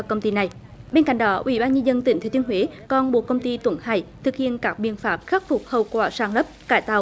công ty này bên cạnh đó ủy ban nhân dân tỉnh thừa thiên huế còn buộc công ty tuấn hải thực hiện các biện pháp khắc phục hậu quả san lấp cải tạo